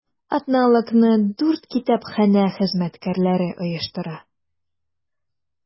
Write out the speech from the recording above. Атналыкны дүрт китапханә хезмәткәрләре оештыра.